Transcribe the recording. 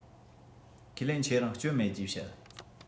ཁས ལེན ཁྱེད རང བསྐྱོན མེད ཅེས བཤད